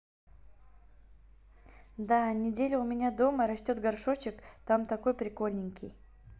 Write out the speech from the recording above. да неделю у меня дома растет горшочек там такой прикольненький